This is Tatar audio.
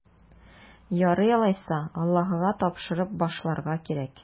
Ярый алайса, Аллаһыга тапшырып башларга кирәк.